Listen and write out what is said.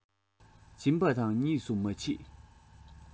སྦྱིན པ དང གཉིས སུ མ མཆིས